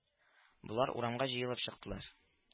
Болар урамга җыелып чыктылар